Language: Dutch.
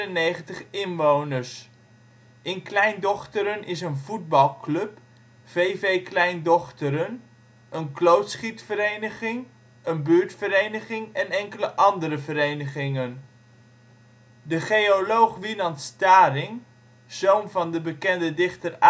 294 inwoners (2009). In Klein Dochteren is een voetbalclub (VV Klein Dochteren), een klootschietvereniging, een buurtvereniging en enkele andere verenigingen. De geoloog Winand Staring, zoon van de bekende dichter